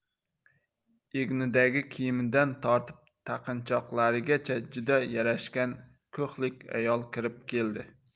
egnidagi kiyimidan tortib taqinchoqlarigacha juda yarashgan ko'hlik ayol kirib keldi